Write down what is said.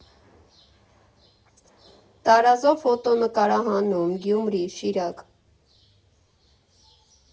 Տարազով ֆոտոնկարահանում, Գյումրի, Շիրակ։